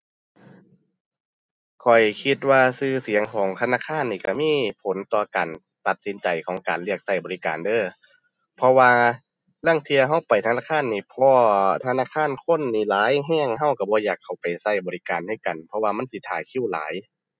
ข้อยคิดว่าชื่อเสียงของธนาคารนี่ชื่อมีผลต่อการตัดสินใจของการเลือกชื่อบริการเด้อ เพราะว่าลางเที่ยชื่อไปธนาคารนี่ พ้อธนาคารคนนี่หลายชื่อ ชื่อชื่อบ่อยากเข้าไปชื่อบริการในกัน เพราะว่ามันสิท่าคิวหลาย